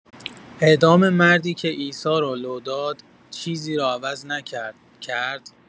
اعدام مردی که عیسی را لو داد چیزی را عوض نکرد، کرد؟